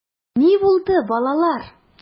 Ни булды, балалар?